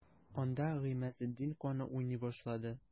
Анда Гыймазетдин каны уйный башлады.